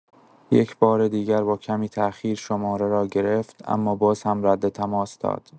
یک‌بار دیگر با کمی تاخیر شماره را گرفت، اما باز هم رد تماس داد.